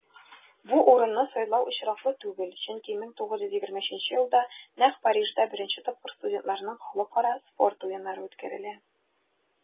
Бу урынны сайлау очраклы түгел, чөнки 1923 елда нәкъ Парижда беренче тапкыр студентларның Халыкара спорт уеннары үткәрелә.